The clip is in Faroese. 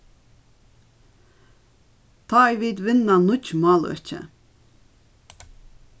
tá ið vit vinna nýggj máløki